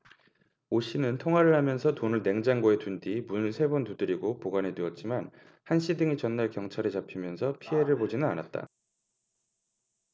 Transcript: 오씨는 통화를 하면서 돈을 냉장고에 둔 뒤 문을 세 번 두드리고 보관해 두었지만 한씨 등이 전날 경찰에 잡히면서 피해를 보지는 않았다